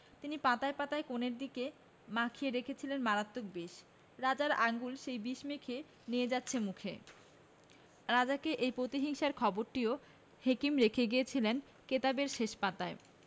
তিনি পাতায় পাতায় কোণের দিকে মাখিয়ে রেখেছিলেন মারাত্মক বিষ রাজার আঙুল সেই বিষ মেখে নিয়ে যাচ্ছে মুখে রাজাকে এই প্রতিহিংসার খবরটিও হেকিম রেখে গিয়েছিলেন কেতাবের শেষ পাতায়